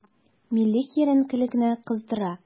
Милли киеренкелекне кыздыра.